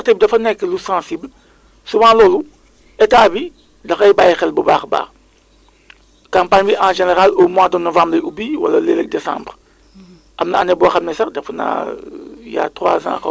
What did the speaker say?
loolu sax d' ailleurs moom moo waral ñu mettre en place ce qu' on appelle donc le cadre national de service climatique pour ñu mun a gunge tout ce qui est producteurs pour vraiment ñu mën a mën a mën a mën a mën a mën a teg ay kii quoi mécanismes donc d' adaptation